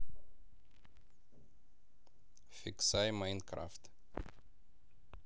фиксай майнкрафт